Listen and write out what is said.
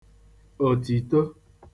òtìto